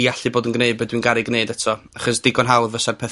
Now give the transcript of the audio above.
i allu bod yn gneud be' dwi'n garu gneud eto, achos digon hawdd fysa'r peth